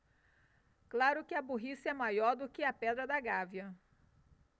claro que a burrice é maior do que a pedra da gávea